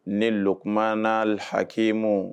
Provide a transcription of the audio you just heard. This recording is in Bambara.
Nil loukmanal hakimou